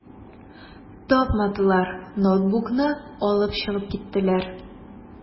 Тапмадылар, ноутбукны алып чыгып киттеләр.